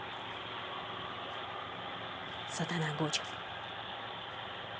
сатана гучев